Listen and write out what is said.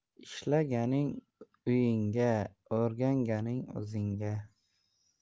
ishlaganing uyingga o'rganganing o'zingga